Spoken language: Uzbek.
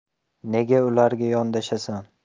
nega ularga yondashasan